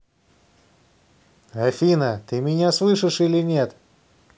афина ты меня слышишь или нет